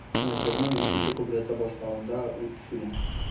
Җырның икенче куплеты башланганда, ут сүнә.